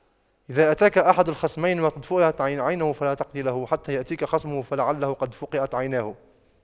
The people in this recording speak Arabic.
إذا أتاك أحد الخصمين وقد فُقِئَتْ عينه فلا تقض له حتى يأتيك خصمه فلعله قد فُقِئَتْ عيناه